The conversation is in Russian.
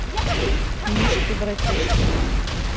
мишки братишки